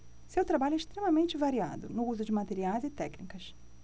seu trabalho é extremamente variado no uso de materiais e técnicas